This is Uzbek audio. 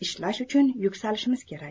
ishlash uchun yuksalishimiz kerak